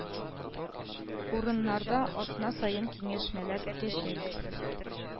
Урыннарда атна саен киңәшмәләр үтәчәк